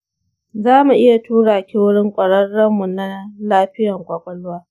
zamu iya tura ki wurin ƙwararren mu na lafiyan ƙwaƙwalwa.